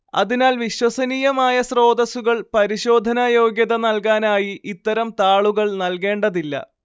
അതിനാൽ വിശ്വസനീയമായ സ്രോതസ്സുകൾ പരിശോധനായോഗ്യത നൽകാനായി ഇത്തരം താളുകൾ നൽകേണ്ടതില്ല